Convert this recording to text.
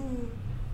Un